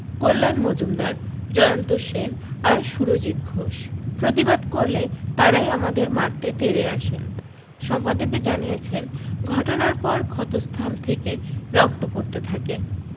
কল্যান মজুমদার জয়ন্ত সেন আর সুরজিত ঘোষ প্রতিবাদ করলে তাঁরাই আমাদের মারতে তেড়ে আসেন শম্পাদেবী জানিয়েছেন ঘটনার পর ক্ষতস্থান থেকে রক্ত পড়তে থাকে